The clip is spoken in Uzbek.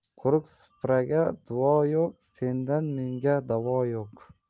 quruq supraga duo yo'q sendan menga davo yo'q